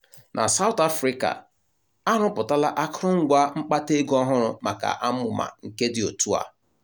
Na South Afrịka, arụpụtala akụrụngwa mkpataego ọhụrụ maka amụma nke dị otu a.